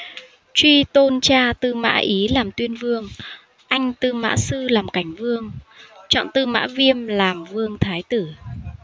truy tôn cha tư mã ý làm tuyên vương anh tư mã sư làm cảnh vương chọn tư mã viêm làm vương thái tử